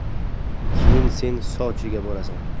keyin sen sochiga borasan